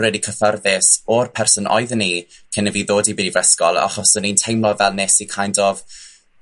rili cyffyrddus o'r person oeddwn i cyn i fi ddod i brif ysgol achos o'n i'n teimlo fel nes i kind of